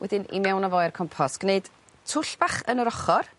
wedyn i mewn â fo i'r compos gneud twll bach yn yr ochor